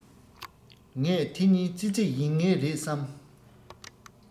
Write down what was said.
ངས དེ གཉིས ཙི ཙི ཡིན ངེས རེད བསམ